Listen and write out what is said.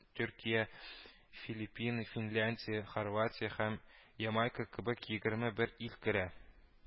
Төркия, Филиппины, Финляндия, Хорватия һәм Ямайка кебек егерме бер ил керә